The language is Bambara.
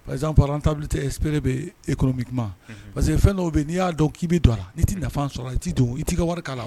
Parce quep tabi tɛpere bɛ emi kuma parce que ye fɛn' bɛ n'i y'a dɔn k'i don a n' tɛ lafi sɔrɔ i tɛ don i tɛ ka wari' wa